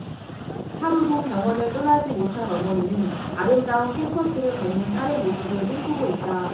하루도 병원을 떠나지 못한 어머니는 아름다운 캠퍼스를 걷는 딸의 모습을 꿈꾸고 있다